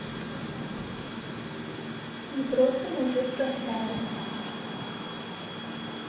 непросто мужик достанет